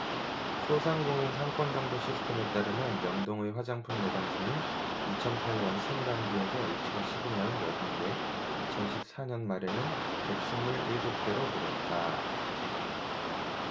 소상공인 상권정보시스템에 따르면 명동의 화장품 매장 수는 이천 팔 년 스물 한 개에서 이천 십 이 년 여든 개 이천 십 사 년 말에는 백 스물 일곱 개로 늘었다